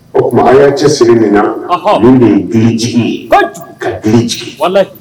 O tuma a y'a cɛ siri min na minnu di jigi ka jigi